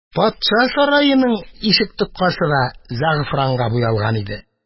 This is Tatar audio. Патша сараеның ишек тоткасы да зәгъфранга буялган иде.